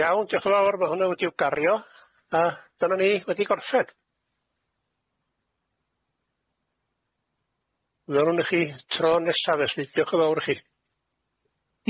Iawn diolch yn fawr ma hwnna wedi'w gario a dyna ni wedi gorffen, welwn ni chi tro nesa felly diolch yn fowr i chi.